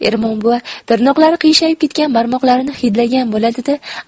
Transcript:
ermon buva tirnoqlari qiyshayib ketgan barmoqlarini hidlagan bo'ladi da